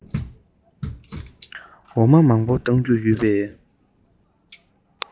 འོ མ མང པོ བཏུང རྒྱུ ཡོད པའི